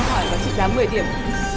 trị giá mười điểm